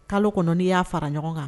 Kalo kɔnɔ n'i y'a fara ɲɔgɔn kan